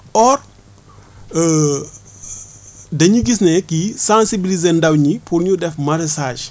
or dañu gis ne kii sensibiliser ndaw ñi pour ñu def maraîchage